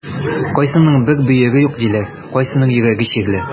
Кайсының бер бөере юк диләр, кайсының йөрәге чирле.